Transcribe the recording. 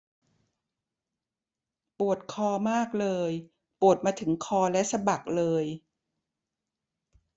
ปวดคอมากเลยปวดมาถึงคอและสะบักเลย